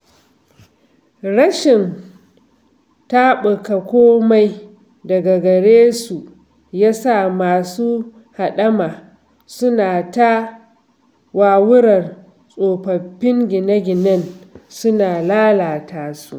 Rashin taɓuka komai daga gare su ya sa masu haɗama suna ta wawurar tsofaffin gine-ginen suna lalata su.